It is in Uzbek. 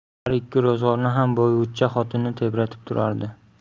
har ikki ro'zg'orni ham boyvuchcha xotini tebratib turar edi